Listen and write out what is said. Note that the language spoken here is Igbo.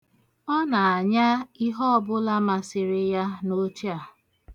Ọ na-anya ihe ọbụla masịrị ya n'oche a.